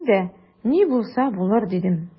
Мин дә: «Ни булса да булыр»,— дидем.